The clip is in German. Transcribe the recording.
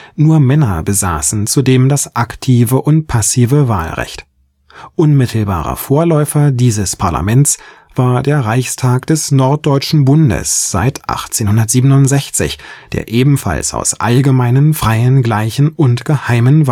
nur Männer besaßen zudem das aktive und passive Wahlrecht. Unmittelbarer Vorläufer dieses Parlaments war der Reichstag des Norddeutschen Bundes (seit 1867), der ebenfalls aus allgemeinen, freien, gleichen und geheimen